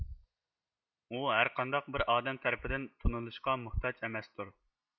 ئۇ ھەرقانداق بىر ئادەم تەرىپىدىن تونۇلۇشقا موھتاج ئەمەستۇر